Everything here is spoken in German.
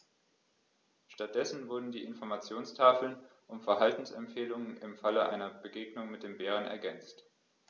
Stattdessen wurden die Informationstafeln um Verhaltensempfehlungen im Falle einer Begegnung mit dem Bären ergänzt.